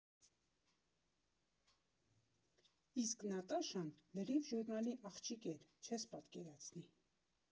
Իսկ Նատաշան լրիվ ժուռնալի աղջիկ էր, չես պատկերացնի։